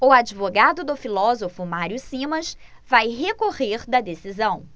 o advogado do filósofo mário simas vai recorrer da decisão